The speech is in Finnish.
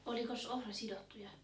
olikos ohra sidottu ja